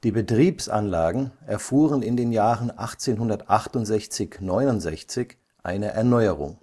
Betriebsanlagen erfuhren in den Jahren 1868 / 69 eine Erneuerung